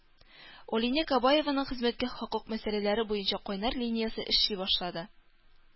Алинә Кабаеваның хезмәткә хокук мәсьәләләре буенча кайнар линиясе эшли башлады